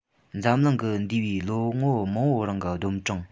འཛམ གླིང གི འདས པའི ལོ ངོ མང པོའི རིང གི སྡོམ གྲངས